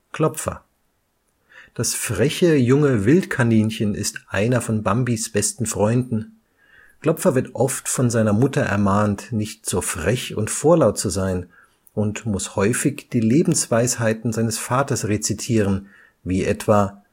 Klopfer (Thumper) Das freche, junge Wildkaninchen ist einer von Bambis besten Freunden. Klopfer wird oft von seiner Mutter ermahnt, nicht so frech und vorlaut zu sein, und muss häufig die Lebensweisheiten seines Vaters rezitieren, wie etwa